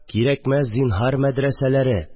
Кирәкмәс, зинһар, мәдрәсәләре